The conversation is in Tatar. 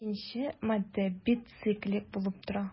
Икенчесе матдә бициклик булып тора.